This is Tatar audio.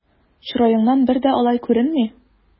Чыраеңнан бер дә алай күренми!